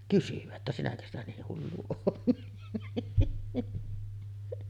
kysyä että sinäkö sitä niin hullu olet